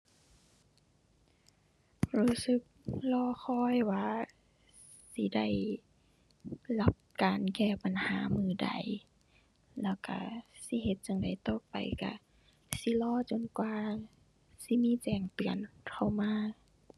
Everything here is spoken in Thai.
รู้สึกรอคอยว่าสิได้รับการแก้ปัญหามื้อใด แล้วก็สิเฮ็ดจั่งใดต่อไป ก็สิรอจนกว่าสิมีแจ้งเตือนเข้ามา